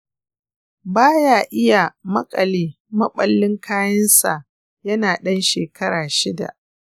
ba ya iya maƙale maballin kayansa yana ɗan shekara shida.